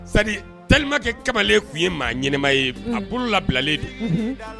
Sa talikɛ kamalenle tun ye maa ɲma ye a bolo labilalen de